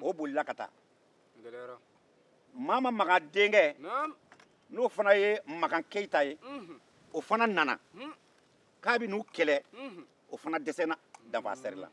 o bolila ka taa mama magan denkɛ n'o fana ye magan keyita ye o fana nana ko a bɛ n'u kɛlɛ o fana dɛsɛra danfasɛri la